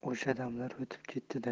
o'sha damlar o'tib ketdi da